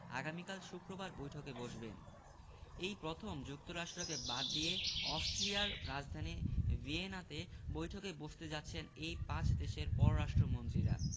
আগামীকাল শুক্রবার বৈঠকে বসবেন এই প্রথম যুক্তরাষ্ট্রকে বাদ দিয়ে অস্ট্রিয়ার রাজধানী ভিয়েনাতে বৈঠকে বসতে যাচ্ছেন এই পাঁচ দেশের পররাষ্ট্রমন্ত্রীরা